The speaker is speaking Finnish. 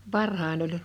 varhain oli